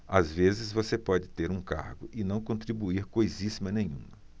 às vezes você pode ter um cargo e não contribuir coisíssima nenhuma